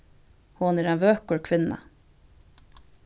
hon er ein vøkur kvinna